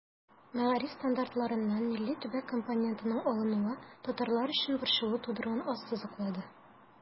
Мәгариф стандартларыннан милли-төбәк компонентының алынуы татарлар өчен борчылу тудыруын ассызыклады.